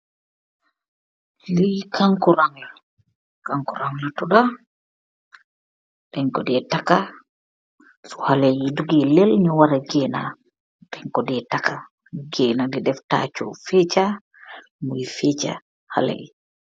kankurang bunyew takka ce lehl.